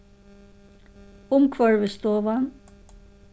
umhvørvisstovan